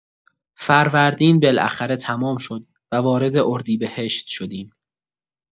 فروردین بالاخره تمام شد و وارد اردیبهشت شدیم.